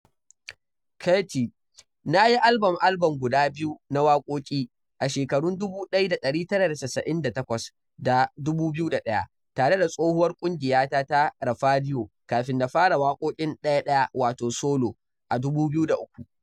Keyti: Na yi album-album guda biyu na waƙoƙi (a shekarun 1998 da 2001) tare da tsohuwar ƙungiyata ta Rapadio kafin na fara waƙoƙin ɗaya-ɗaya, wato solo, a 2003.